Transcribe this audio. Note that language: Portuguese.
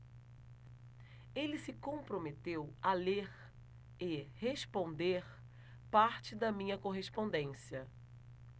ele se comprometeu a ler e responder parte da minha correspondência